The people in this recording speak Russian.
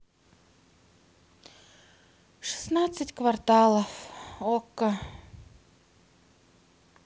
шестнадцать кварталов окко